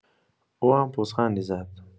او هم پوزخندی زد.